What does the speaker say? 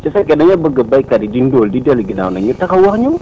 su fekkee da nga bëgg béykat yi ñuy ndóol di dellu ginnaaw nañ ñu taxaw wax ñu